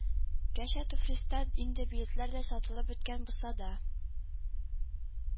Гәрчә Тифлиста инде билетлар да сатылып беткән булса да